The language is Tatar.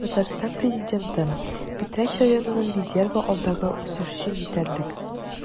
Татарстан Президенты: Питрәч районының резервы алдагы үсеш өчен җитәрлек